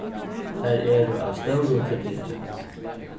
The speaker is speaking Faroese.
tær eru av stórum týdningi